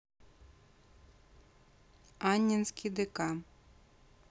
аннинский дк